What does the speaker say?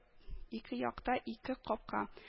Ике якта ике капка